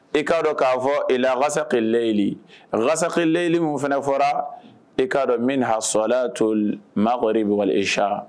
E k'a dɔn k'a fɔ ilaa Hawaii layli . Hawaii layli mun fana fɔra i k'a dɔn minhaa suɔlaatul marheb wal ichaa .